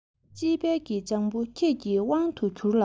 དཔྱིད དཔལ གྱི ལྗང བུ ཁྱེད ཀྱི དབང དུ གྱུར ལ